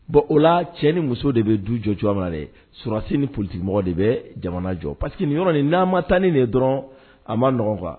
Bon o la cɛ ni muso de bɛ du jɔ cogoya min na dɛ sɔrɔdasi ni politikimɔgɔ de bɛ jamana jɔ parce que nin yɔrɔ n'a ma taa ni nin ye dɔrɔn a man nɔgɔn quoi